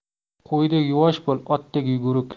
qo'ydek yuvvosh bo'l otdek yuguruk